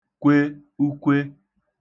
kwe ukwe